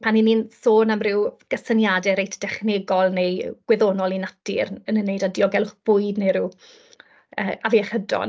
Pan 'y ni'n sôn am ryw gysyniadau reit dechnegol neu gwyddonol eu natur yn ymwneud â diogelwch bwyd neu ryw yy afiechydon.